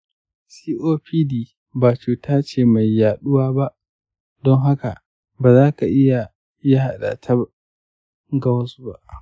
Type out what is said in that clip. copd ba cuta ce mai yaɗuwa ba, don haka ba za ka iya yaɗa ta ga wasu ba.